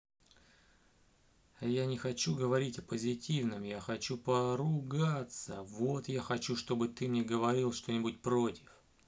а я не хочу говорить о позитивном я хочу поругаться вот я хочу чтобы ты мне говорил что нибудь против